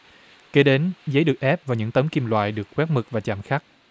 kế đến giấy được ép vào những tấm kim loại được quét mực và chạm khắc